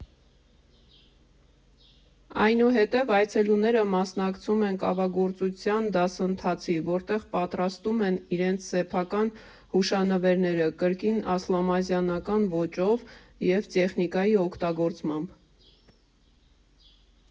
Այնուհետև այցելուները մասնակցում են կավագործության դասընթացի, որտեղ պատրաստում են իրենց սեփական հուշանվերները կրկին ասլամազյանական ոճով և տեխնիկայի օգտագործմամբ։